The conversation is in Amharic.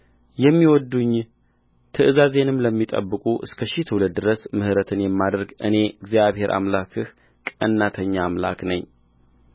ለሚወድዱኝ ትእዛዜንም ለሚጠብቁ እስከ ሺህ ትውልድ ድረስ ምሕረትን የማደርግ እኔ እግዚአብሔር አምላክህ ቀናተኛ አምላክ ነኝ